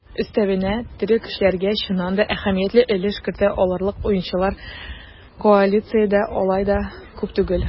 Өстәвенә, тере көчләргә чыннан да әһәмиятле өлеш кертә алырлык уенчылар коалициядә алай күп түгел.